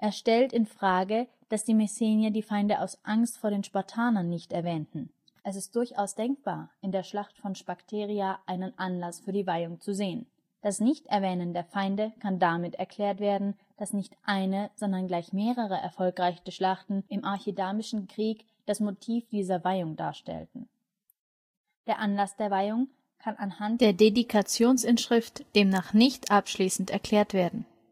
stellt in Frage, dass die Messenier die Feinde aus Angst vor den Spartanern nicht erwähnten. Es ist durchaus denkbar, in der Schlacht von Sphakteria einen Anlass für die Weihung zu sehen. Das Nichterwähnen der Feinde kann damit erklärt werden, dass nicht eine, sondern gleich mehrere erfolgreiche Schlachten im archidamischen Krieg das Motiv dieser Weihung darstellten. Der Anlass der Weihung kann anhand der Dedikationsinschrift demnach nicht abschließend geklärt werden